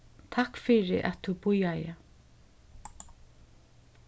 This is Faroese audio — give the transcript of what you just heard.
takk fyri at tú bíðaði